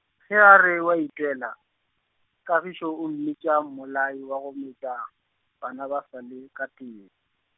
ge a re oa itwela, Kagišo o mmitša mmolai wa go metša, bana ba sa le ka teng.